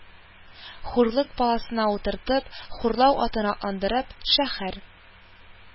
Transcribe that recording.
Хурлык паласына утыртып, хурлау атына атландырып, шәһәр